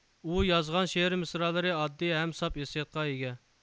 ئۇ يازغان شېئىر مىسرالىرى ئاددىي ھەم ساپ ھېسسىياتقا ئىگە